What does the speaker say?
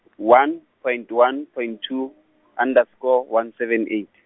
one point one point two, underscore one seven eight.